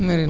Merina